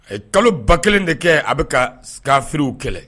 A ye kalo ba kelen de kɛ a bɛ ka kafiriw kɛlɛ